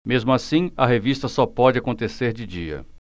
mesmo assim a revista só pode acontecer de dia